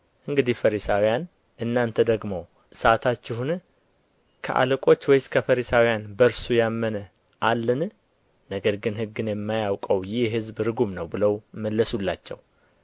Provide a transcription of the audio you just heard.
እንግዲህ ፈሪሳውያን እናንተ ደግሞ ሳታችሁን ከአለቆች ወይስ ከፈሪሳውያን በእርሱ ያመነ አለን ነገር ግን ሕግን የማያውቀው ይህ ሕዝብ ርጉም ነው ብለው መለሱላቸው